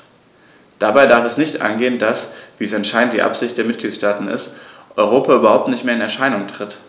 Dabei darf es nicht angehen, dass - wie es anscheinend die Absicht der Mitgliedsstaaten ist - Europa überhaupt nicht mehr in Erscheinung tritt.